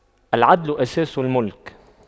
العدل أساس الْمُلْك